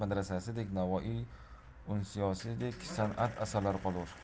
madrasasidek navoiy unsiyasidek sanat asarlari qolur